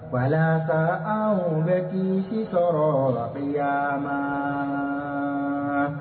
Walasa an bɛ jigi kɔrɔ la ya ma